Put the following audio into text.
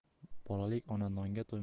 bolalik ona nonga